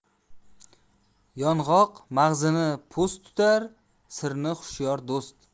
yong'oq mag'zini po'st tutar sirni hushyor do'st